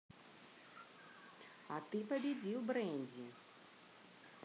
а ты победил бренди